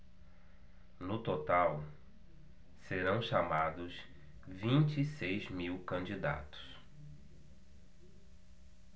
no total serão chamados vinte e seis mil candidatos